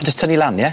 A jyst tynnu lan ie?